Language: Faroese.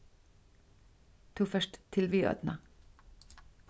tú fert til viðoynna